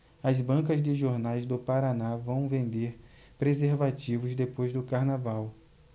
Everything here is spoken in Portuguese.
as bancas de jornais do paraná vão vender preservativos depois do carnaval